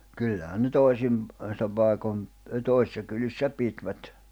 kyllähän ne toisin - paikoin toisissa kylissä pitivät